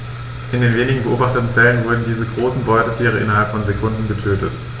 In den wenigen beobachteten Fällen wurden diese großen Beutetiere innerhalb von Sekunden getötet.